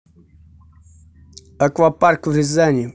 аквапарк в рязани